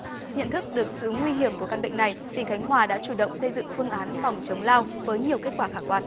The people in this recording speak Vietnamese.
nhận thức được sự nguy hiểm của căn bệnh này tỉnh khánh hòa đã chủ động xây dựng phương án phòng chống lao với nhiều kết quả khả quan